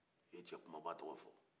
i ye cɛ kunbaba tɔgɔ fɔ